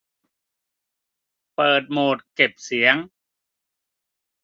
เปิดโหมดเก็บเสียง